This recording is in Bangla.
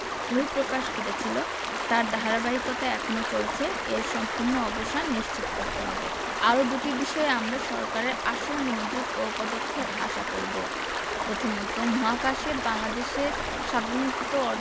বহিঃপ্রকাশ ঘটেছিল তার ধারাবাহিকতা এখনো চলছে এর সম্পূর্ণ অবসান নিশ্চিত করতে হবে আরও দুটি বিষয়ে আমরা সরকারের আশু মনোযোগ ও পদক্ষেপ আশা করব প্রথমত মহাকাশে বাংলাদেশের সার্বভৌমত্ব